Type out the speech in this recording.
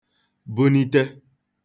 bunite